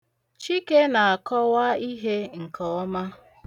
Chike na-akọwa ihe nke ọma.